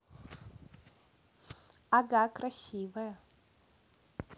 ага красивая